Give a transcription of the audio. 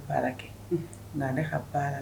Ka